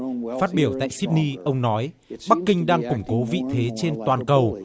phát biểu tại sít ny ông nói bắc kinh đang củng cố vị thế trên toàn cầu